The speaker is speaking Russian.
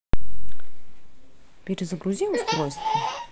перезагрузи устройство